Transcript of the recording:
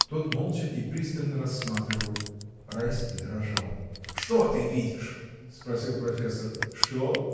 Тот молча и пристально рассматривал. Райский дрожал. — Что ты видишь? — спросил профессор. — Что?